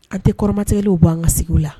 Aw tɛ kɔrɔmatigɛgɛ bɔ an ka sigi la